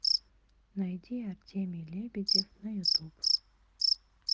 найди артемий лебедев на ютуб